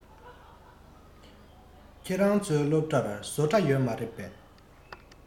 ཁྱོད རང ཚོའི སློབ གྲྭར བཟོ གྲྭ ཡོད མ རེད པས